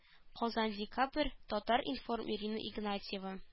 -- казан декабрь татар-информ ирина игнатьева